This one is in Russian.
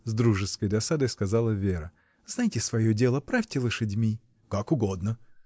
— с дружеской досадой сказала Вера, — знайте свое дело, правьте лошадьми! — Как угодно!